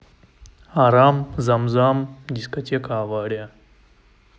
арам зам зам дискотека авария